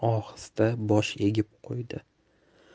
ohista bosh egib qo'ydi